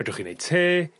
fedrwch chi neud te